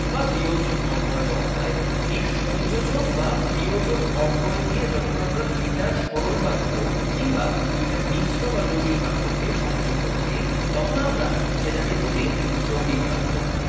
বা বিয়োজক অব্যয় বলা হয় এই সংযোজক বা বিয়োজক অব্যয় দিয়ে যখন আমরা দুইটা সরল বাক্য কিংবা দুইটা মিশ্র বা জটিল বাক্য কে সংযুক্ত করি তখন আমরা সেটাকে বলি যৌগিক বাক্য